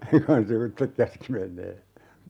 kun hän sivuitse käski menemään